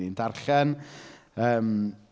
Y'n ni'n darllen, yym,